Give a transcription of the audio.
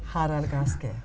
Harald Gaski.